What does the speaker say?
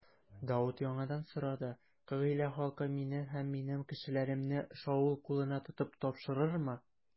Давыт яңадан сорады: Кыгыйлә халкы мине һәм минем кешеләремне Шаул кулына тотып тапшырырмы?